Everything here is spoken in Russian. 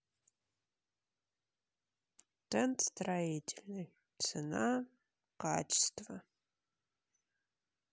тент строительный цена качество